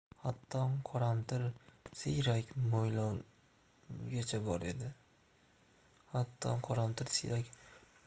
hatto qoramtir siyrak